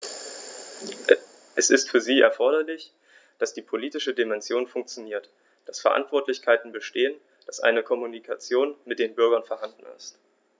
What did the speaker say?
Es ist für sie erforderlich, dass die politische Dimension funktioniert, dass Verantwortlichkeiten bestehen, dass eine Kommunikation mit den Bürgern vorhanden ist.